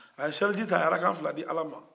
a ye seliji ta a ye arakan fila di ala man